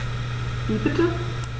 Wie bitte?